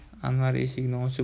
anvar eshikni ochib